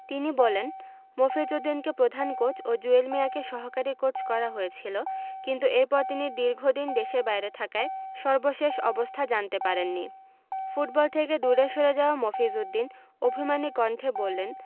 তিনি বলেন মফিজ উদ্দিনকে প্রধান কোচ ও জুয়েল মিয়াকে সহকারী কোচ করা হয়েছিল কিন্তু এরপর তিনি দীর্ঘদিন দেশের বাইরে থাকায় সর্বশেষ অবস্থা জানতে পারেননি ফুটবল থেকে দূরে সরে যাওয়া মফিজ উদ্দিন অভিমানী কণ্ঠে বললেন